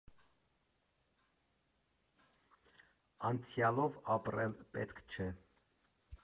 Անցյալով ապրել պետք չէ։